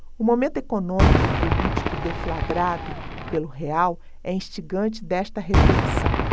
o momento econômico e político deflagrado pelo real é instigante desta reflexão